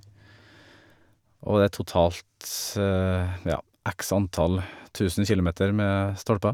Og det er totalt, ja, x antall tusen kilometer med stolper.